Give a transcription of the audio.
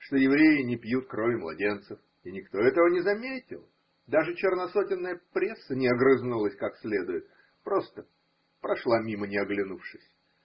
что евреи не пьют крови младенцев, – и никто этого не заметил, даже черносотенная пресса не огрызнулась как следует: просто прошла мимо. не оглянувшись.